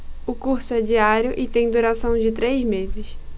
o curso é diário e tem duração de três meses